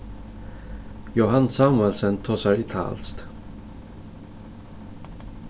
jóhan samuelsen tosar italskt